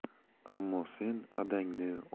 ammo sen adangni